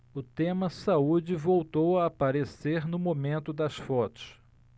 o tema saúde voltou a aparecer no momento das fotos